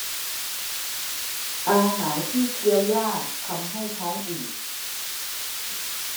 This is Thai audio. อาหารที่เคี้ยวยากทำให้ท้องอืด